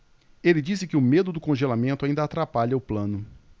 ele disse que o medo do congelamento ainda atrapalha o plano